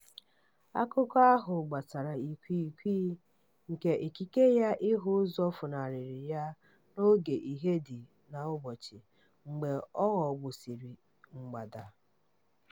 Akụkọ ahụ gbasara ikwiikwii nke ikike ya ịhụ ụzọ funarịrị ya n'oge ìhè dị n'ụbọchị mgbe ọ ghọgbusịrị mgbada.